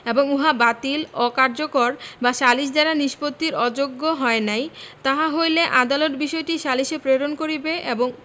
এবং উহা বাতিল অকার্যকর বা সালিস দ্বারা নিষ্পত্তির অযোগ্য হয় নাই তাহা হইলে আদালত বিষয়টি সালিসে প্রেরণ করিবে এবং